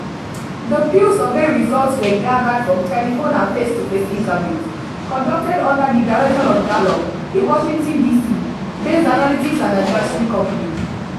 The Pew survey results were gathered from telephone and face-to-face interviews conducted under the direction of Gallup — a Washington, DC, based analytics and advisory company.